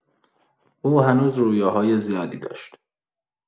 او هنوز رویاهای زیادی داشت.